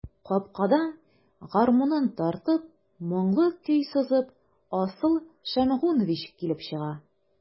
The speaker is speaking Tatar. Капкадан, гармунын тартып, моңлы көй сызып, Асыл Шәмгунович килеп чыга.